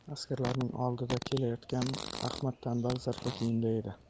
askarlarning oldida kelayotgan ahmad tanbal zirhli kiyimda edi